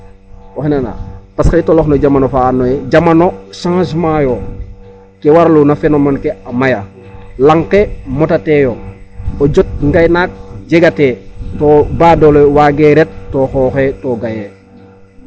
Woxey nanaa parce que ka i toloox no Jamono fa andoona yee jamano changement yo ke waraluna phénomène ke a maya yo lanq ke motateeyo o jot ngaynaak jegatee to baadoola waagee ret to xooxe to gayee.